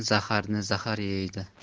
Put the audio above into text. zaharni zahar yeydi